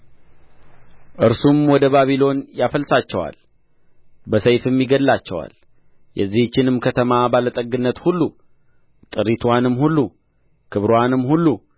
እርሱም ወደ ባቢሎን ያፈልሳቸዋል በሰይፍም ይገድላቸዋል የዚህችንም ከተማ ባለጠግነት ሁሉ ጥሪትዋንም ሁሉ ክብርዋንም ሁሉ